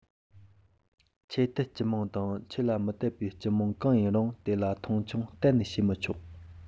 ཆོས དད སྤྱི དམངས དང ཆོས ལ མི དད པའི སྤྱི དམངས གང ཡིན རུང དེ ལ མཐོང ཆུང གཏན ནས བྱེད མི ཆོག